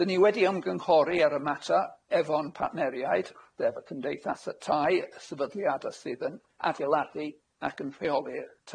'Dyn ni wedi ymgynghori ar y mater efo'n partneriaid, sef efo cymdeithasa tai, sefydliada sydd yn adeiladu ac yn rheoli'r tai,